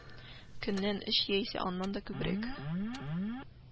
Көннән өч яисә аннан да күбрәк